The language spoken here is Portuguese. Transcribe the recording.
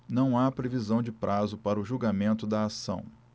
não há previsão de prazo para o julgamento da ação